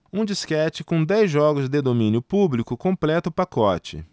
um disquete com dez jogos de domínio público completa o pacote